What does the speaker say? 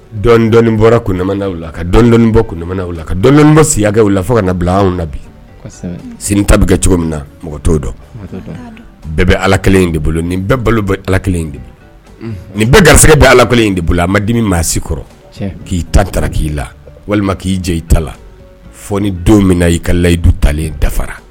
Dɔndɔi bɔra kunmamanaw la ka dɔn dɔnnii bɔ kunmamanaw la ka dɔn bɔ siyakaw la fo ka na bila anw na bi sini ta bɛ kɛ cogo min na mɔgɔ t' dɔn bɛɛ bɛ ala kelen in de bolo ni bɛɛ balo bɛ ala kelen in de bolo nin bɛɛ gari bɛ ala kelen in de bolo a ma dimi maa si kɔrɔ k'i tan taara k'i la walima k'i jɛ i ta la fɔ ni don min na'i ka layidu talen dafara